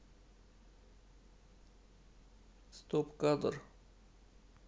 стоп кадр